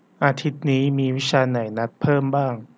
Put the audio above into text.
อาทิตย์นี้มีวิชาไหนนัดเพิ่มบ้าง